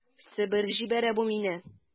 Себер җибәрә бу мине...